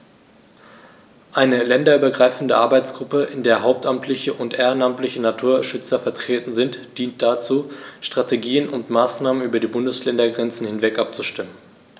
Eine länderübergreifende Arbeitsgruppe, in der hauptamtliche und ehrenamtliche Naturschützer vertreten sind, dient dazu, Strategien und Maßnahmen über die Bundesländergrenzen hinweg abzustimmen.